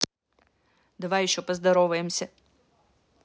давай еще поздороваемся